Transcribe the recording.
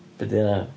Be 'di hynna?